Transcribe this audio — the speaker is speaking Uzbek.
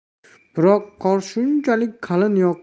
biroq qor shunchalik qalin